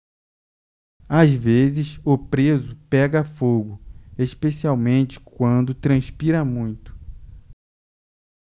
às vezes o preso pega fogo especialmente quando transpira muito